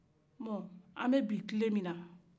ɛ an bɛ bi tile min na